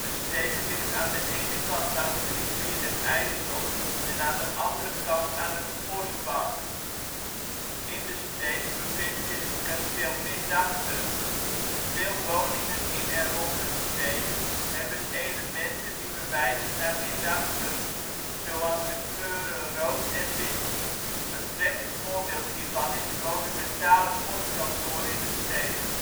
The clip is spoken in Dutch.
Steeg ligt aan de ene kant langs de rivier de IJssel en aan de andere kant aan de Posbank (Veluwezoom). In De Steeg bevindt zich het Kasteel Middachten. Veel woningen in en rond De Steeg hebben elementen die verwijzen naar Middachten, zoals de kleuren rood en wit. Een treffend voorbeeld hiervan is het monumentale postkantoor in De Steeg